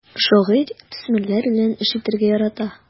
Шагыйрь төсмерләр белән эш итәргә ярата.